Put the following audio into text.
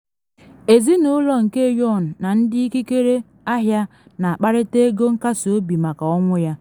Ezinụlọ nke Yuan na ndị ikikere ahịa na akparịta ego nkasị obi maka ọnwụ ya.